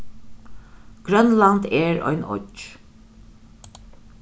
grønland er ein oyggj